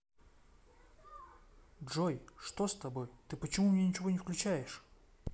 джой что с тобой ты почему мне ничего не включаешь